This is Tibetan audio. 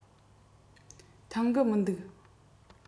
མཐུན གི མི འདུག